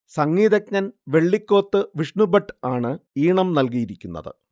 സംഗീതജ്ഞൻ വെള്ളിക്കോത്ത് വിഷ്ണുഭട്ട് ആണ് ഈണം നല്കിയിരിക്കുന്നത്